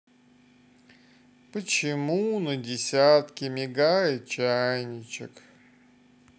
почему на десятке мигает чайничек